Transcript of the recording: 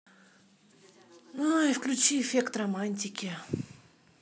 включи эффект романтики